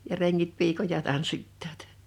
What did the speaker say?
ja rengit piikoja tanssittavat